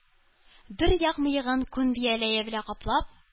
Бер як мыегын күн бияләе белән каплап,